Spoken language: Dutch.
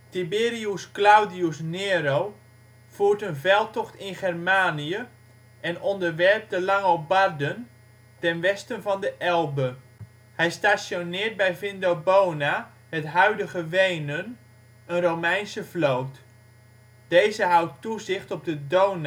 Tiberius Claudius Nero voert een veldtocht in Germanië en onderwerpt de Langobarden ten westen van de Elbe. Hij stationeert bij Vindobona (huidige Wenen) een Romeinse vloot, deze houdt toezicht op de Donau